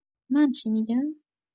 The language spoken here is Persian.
من چی می‌گم؟